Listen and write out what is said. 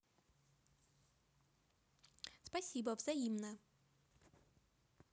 спасибо взаимно